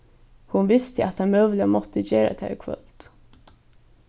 hon visti at hann møguliga mátti gera tað í kvøld